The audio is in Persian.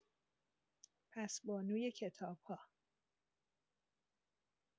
پس بانوی کتاب‌ها.